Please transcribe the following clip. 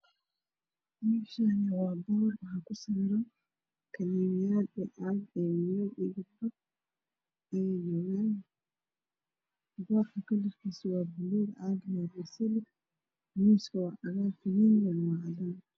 .eshan waa noor waxa kusawira kaniniyal io cag wll io gabdho ayajogan boorka kalarkis waa baluug cag waa beseli miiska waa cagar kaninig waa cadan